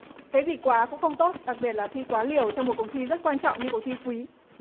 cái gì quá cũng không tốt đặc biệt là khi quá liều trong một cuộc thi rất quan trọng như cuộc thi quý